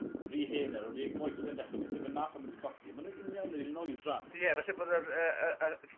rhy hen nawr odi ei coese'n dechre mynd. Yfe 'na pham ma' 'di colli? Ma' n'w union yr un oedran. Ie falle bod yr yy yy yy ll-